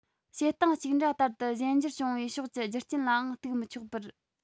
བྱེད སྟངས གཅིག འདྲ ལྟར ཏུ གཞན འགྱུར བྱུང བའི ཕྱོགས ཀྱི རྒྱུ རྐྱེན ལའང གཏུག མི ཆོག པར